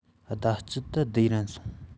ཟླ དཀྱིལ དུ བསྡུས རན སོང